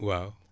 waaw